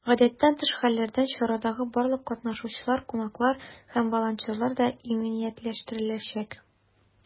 Гадәттән тыш хәлләрдән чарадагы барлык катнашучылар, кунаклар һәм волонтерлар да иминиятләштереләчәк.